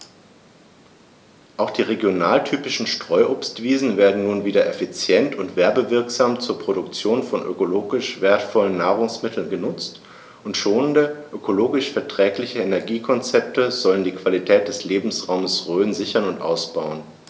Auch die regionaltypischen Streuobstwiesen werden nun wieder effizient und werbewirksam zur Produktion von ökologisch wertvollen Nahrungsmitteln genutzt, und schonende, ökologisch verträgliche Energiekonzepte sollen die Qualität des Lebensraumes Rhön sichern und ausbauen.